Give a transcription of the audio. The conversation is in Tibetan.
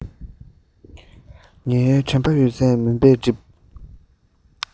ངའི དྲན པ ཡོད ཚད མུན པས བསྒྲིབས